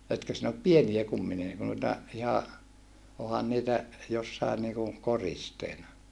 etkö sinä ole pieniä kumminkin - noita ihan onhan niitä jossakin niin kuin koristeena